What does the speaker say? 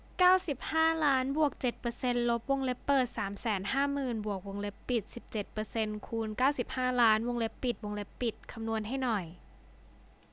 เก้าสิบห้าล้านบวกเจ็ดเปอร์เซนต์ลบวงเล็บเปิดสามแสนห้าหมื่นบวกวงเล็บเปิดสิบเจ็ดเปอร์เซนต์คูณเก้าสิบห้าล้านวงเล็บปิดวงเล็บปิดคำนวณให้หน่อย